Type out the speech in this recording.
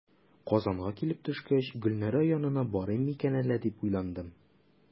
Казанга килеп төшкәч, "Гөлнара янына барыйм микән әллә?", дип уйландым.